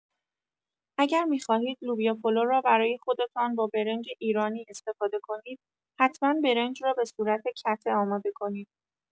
اگر می‌خواهید لوبیا پلو را برای خودتان با برنج ایرانی استفاده کنید حتما برنج را به‌صورت کته آماده کنید.